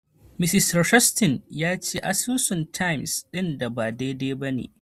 Mr. Rosenstein ya ce asusun Times ɗin ba daidai ba ne.